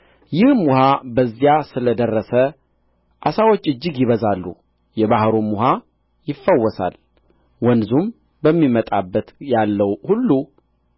ይህም ውኃ በዚያ ስለ ደረሰ ዓሣዎች እጅግ ይበዛሉ የባሕሩም ውኃ ይፈወሳል ወንዙም በሚመጣበት ያለው ሁሉ